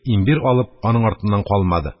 Имбир алып, аның артыннан калмады